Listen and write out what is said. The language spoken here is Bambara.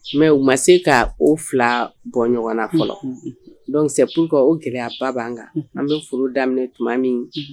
Mɛ u ma se ka o fila bɔ ɲɔgɔn na fɔlɔ don walasa o gɛlɛya baba b'an kan an bɛ foro daminɛ tuma min